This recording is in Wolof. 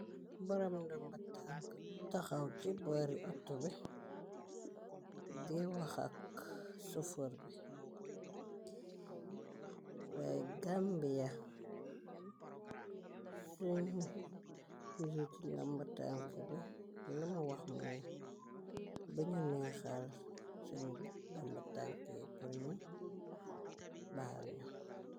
Baram ndamba tank bu taxaw ci boori attu bi, di waxak sufor bi. Waaye gambi ya, sun njiiti ndamba tank bi, lama wax muy bañu neexal sañu damba tanky paruñu baal ñu.